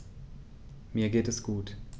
Mir geht es gut.